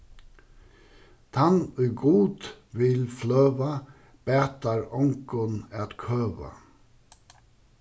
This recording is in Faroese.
tann ið gud vil fløva batar ongum at køva